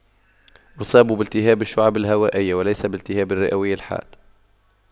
اصاب بالتهاب الشعب الهوائية وليس بالتهاب الرئوي الحاد